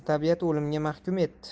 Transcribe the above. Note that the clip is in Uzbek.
esa tabiat o'limga mahkum etdi